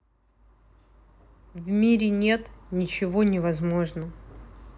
в мире нет ничего не возможно